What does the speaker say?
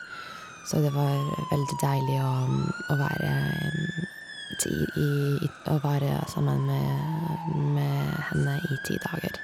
Så det var veldig deilig å å være ti i i å være sammen med med henne i ti dager.